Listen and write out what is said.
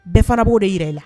Bɛɛ fana b'o de jira i la